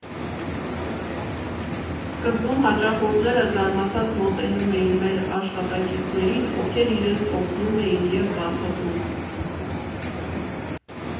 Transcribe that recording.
Սկզբում հաճախորդները զարմացած մոտենում էին մեր աշխատակիցներին, ովքեր իրենց օգնում էին և բացատրում։